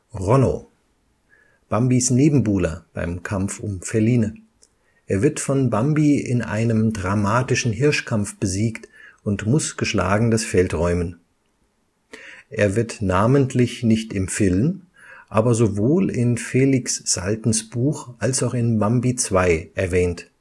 Ronno Bambis Nebenbuhler beim Kampf um Feline. Er wird von Bambi in einem dramatischen Hirschkampf besiegt und muss geschlagen das Feld räumen. Er wird namentlich nicht im Film, aber sowohl in Felix Saltens Buch, als auch in Bambi 2 erwähnt